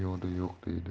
dunyoda yo'q deydi